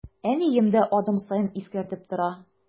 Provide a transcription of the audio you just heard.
Әнием дә адым саен искәртеп тора.